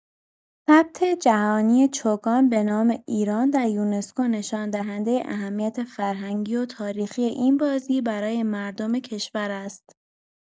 ثبت جهانی چوگان به نام ایران در یونسکو نشان‌دهنده اهمیت فرهنگی و تاریخی این بازی برای مردم کشور است.